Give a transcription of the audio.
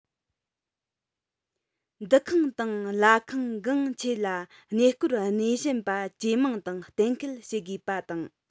འདུ ཁང དང ལྷ ཁང འགངས ཆེན ལ གནས སྐོར སྣེ ཤན པ ཇེ མང དང གཏན ཁེལ བྱེད དགོས པ དང